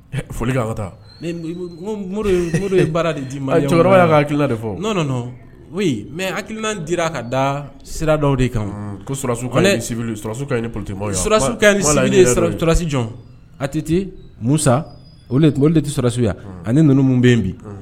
Foli taa baara d'i ma cɛkɔrɔba y'a' hakilila de fɔ n mɛ hakiliki di a ka da sirada de kan kobi pmasi a tɛti musa de tɛsiw yan ani ninnu bɛ yen bi